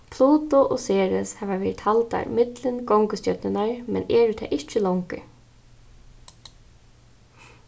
pluto og ceres hava verið taldar millum gongustjørnurnar men eru tað ikki longur